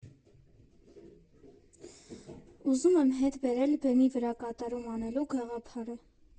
Ուզում եմ հետ բերել բեմի վրա կատարում անելու գաղափարը.